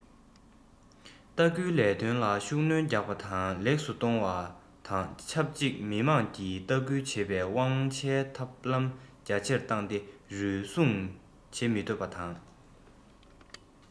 ལྟ སྐུལ ལས དོན ལ ཤུགས སྣོན རྒྱག པ དང ལེགས སུ གཏོང བ དང ཆབས ཅིག མི དམངས ཀྱིས ལྟ སྐུལ བྱེད པའི དབང ཆའི ཐབས ལམ རྒྱ ཆེར བཏང སྟེ རུལ སུངས བྱེད མི འདོད པ དང